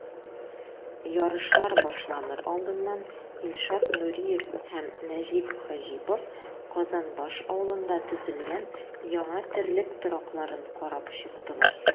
Ярышлар башланыр алдыннан Илшат Нуриев һәм Нәҗип Хаҗипов Казанбаш авылында төзелгән яңа терлек торакларын карап чыктылар.